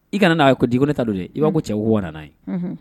I kana n'a ye ko di ne ta don i b'a ko cɛ wa n'a ye